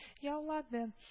Яулады: